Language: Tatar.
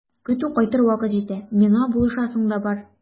Көтү кайтыр вакыт җитә, миңа булышасың да бар.